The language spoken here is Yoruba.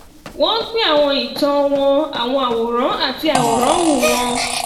Wọ́n ń pín àwọn ìtàn wọn, àwọn àwòrán àti àwòránhùn wọn.